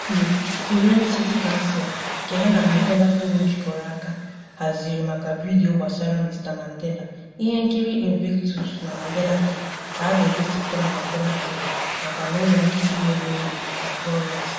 N'Italy, Firenze City Council, nke ha na Mandela Forum jikọrọ aka, haziri maka vidiyo gbasara Mr Mandela, ihenkiri Invictus na Mandela Day, ka a ga-egosịpụta na Mandela Forum nakwa n'ụlọnkiri ghere oghe na Florence.